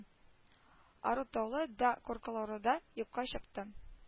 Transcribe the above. Ару-талуы да куркулары да юкка чыкты